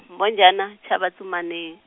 Mbhojana chava tsumani.